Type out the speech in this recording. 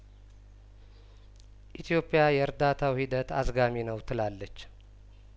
ኢትዮጵያ የእርዳታው ሂደት አዝጋሚ ነው ትላለች